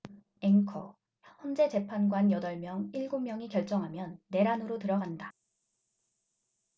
앵커 헌재 재판관 여덟 명 일곱 명이 결정하면 내란으로 들어간다